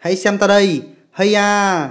hãy xem ta đây hây a